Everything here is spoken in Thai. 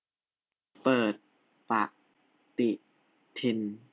เปิดปฎิทิน